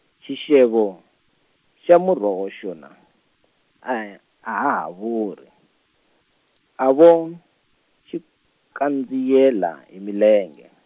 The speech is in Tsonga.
xixevo, xa muroho xona, a ha ha vuri, a vo xikandziyela hi milenge.